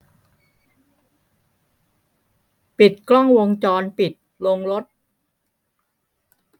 ปิดกล้องวงจรปิดโรงรถ